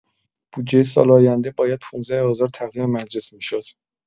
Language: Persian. بودجه سال آینده باید ۱۵ آذر تقدیم مجلس می‌شد.